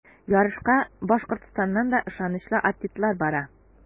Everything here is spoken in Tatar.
Ярышка Башкортстаннан да ышанычлы атлетлар бара.